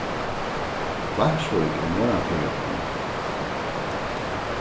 klaksvík er norðan fyri okkum